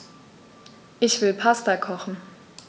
Ich will Pasta kochen.